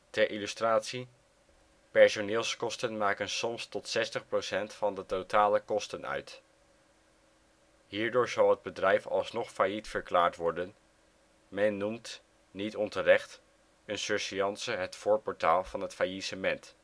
Ter illustratie: personeelskosten maken soms tot 60 % van de totale kosten uit! Hierdoor zal het bedrijf alsnog failliet verklaard worden. Men noemt - niet onterecht - een surseance het voorportaal van het faillissement